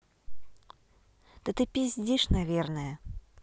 да ты пиздишь наверное